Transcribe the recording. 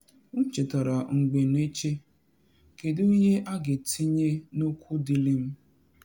M chetara mgbe n eche, kedu ihe a ga-etinye n’okwute dị n’ili m?